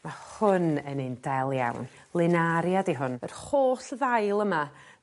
Ma' hwn yn un del iawn. Linaria 'di hwn yr holl ddail yma